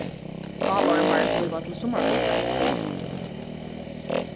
kálormar blíva til summarfuglar